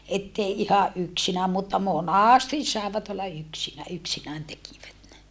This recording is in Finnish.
että ei ihan yksinään mutta monasti saivat olla - yksinään tekivät ne